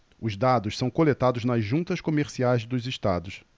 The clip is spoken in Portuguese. os dados são coletados nas juntas comerciais dos estados